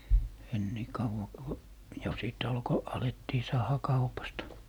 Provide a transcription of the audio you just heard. en niin kauan kun jo sitten alkoi alettiin saada kaupasta